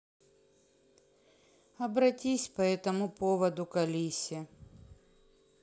обратись по этому поводу к алисе